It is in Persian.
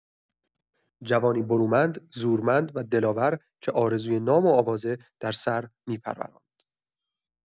جوانی برومند، زورمند و دلاور که آرزوی نام و آوازه در سر می‌پروراند.